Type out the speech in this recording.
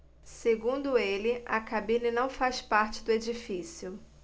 segundo ele a cabine não faz parte do edifício